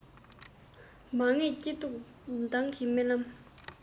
མ ངེས སྐྱིད སྡུག མདང གི རྨི ལམ